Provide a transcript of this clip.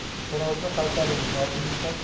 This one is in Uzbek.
xo'rozni qaytaring yodingizdan